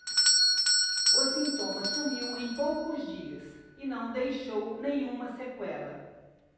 o sintoma sumiu em poucos dias e não deixou nenhuma sequela